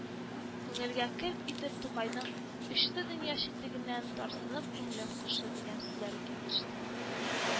Күңелгә келт итеп Тукайның «Очты дөнья читлегеннән, тарсынып күңелем кошы...» дигән сүзләре килеп төште